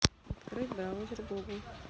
открыть браузер google